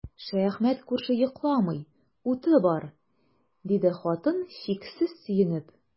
Шәяхмәт күрше йокламый, уты бар, диде хатын, чиксез сөенеп.